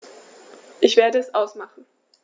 Ich werde es ausmachen